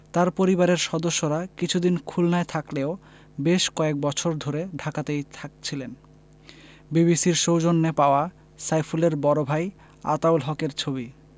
তাঁর পরিবারের সদস্যরা কিছুদিন খুলনায় থাকলেও বেশ কয়েক বছর ধরে ঢাকাতেই থাকছিলেন বিবিসির সৌজন্যে পাওয়া সাইফুলের বড় ভাই আতাউল হকের ছবি